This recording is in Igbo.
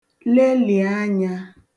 lelị̀ anyā